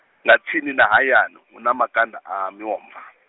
nga tsini na hayani, hu na makanda a miomva.